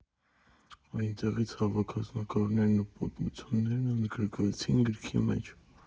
Այնտեղից հավաքված նկարներն ու պատմություններն ընդգրկվեցին գրքի մեջ։